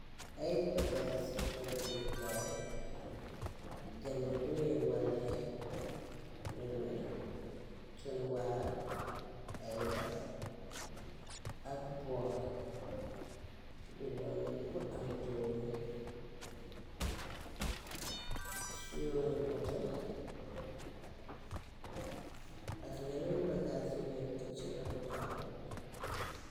A bagaas yi toggikaay genna buñuy walee rënda cunwaar ay mbakku ak bowl bidong bu am diwleen siwo buta ak yeneen bagaas yi nekk ci ruun taabul bi.